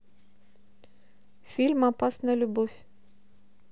фильм опасная любовь